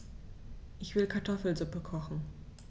Ich will Kartoffelsuppe kochen.